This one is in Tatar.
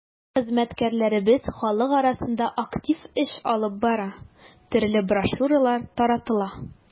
Хезмәткәрләребез халык арасында актив эш алып бара, төрле брошюралар таратыла.